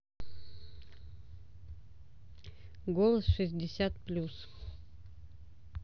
голос шестьдесят плюс